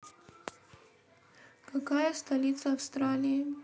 какая столица австралии